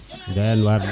doyna waar de